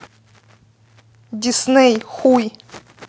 disney хуй